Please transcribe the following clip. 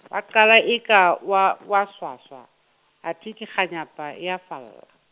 wa qala eka o a, o a swaswa, athe ke kganyapa, e a falla.